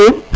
i